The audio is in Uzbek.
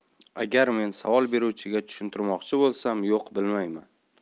agar men savol beruvchiga tushuntirmoqchi bo'lsam yo'q bilmayman